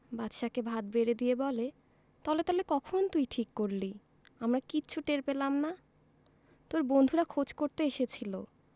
বাদশাকে ভাত বেড়ে দিয়ে বলে তলে তলে কখন তুই ঠিক করলি আমরা কিচ্ছু টের পেলাম না তোর বন্ধুরা খোঁজ করতে এসেছিলো